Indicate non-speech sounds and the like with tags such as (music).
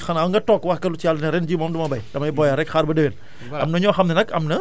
loolu pour nga mën ko def aussi xanaa nga toog wax ko ci yàlla ne ren jii moom du ma béy dama booyal rek xaar ba déwén (breath)